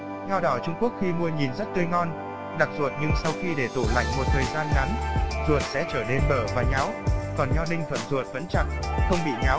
nho đỏ trung quốc khi mua nhìn rất tươi ngon đặc ruột nhưng sau khi để tủ lạnh một thời gian ngắn ruột sẽ trở nên bở và nhão còn nho ninh thuận ruột vẫn chặt không bị nhão